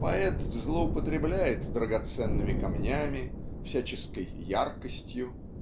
Поэт злоупотребляет драгоценными камнями, всяческой яркостью